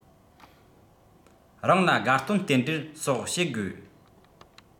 རང ལ དགའ སྟོན རྟེན འབྲེལ སོགས བྱེད དགོས